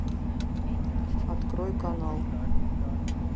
открой канал